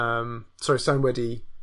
yym, sor sai'n wedi